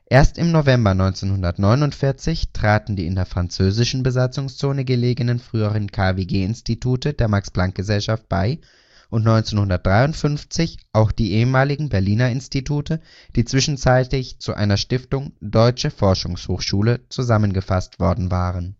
Erst im November 1949 traten die in der französischen Besatzungszone gelegenen früheren KWG-Institute der Max-Planck-Gesellschaft bei und 1953 auch die ehemaligen Berliner Institute, die zwischenzeitlich zu einer Stiftung „ Deutschen Forschungshochschule “zusammengefasst worden waren